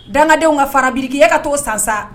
Dangadenw ka fara bbiriki i ye ka t' o san san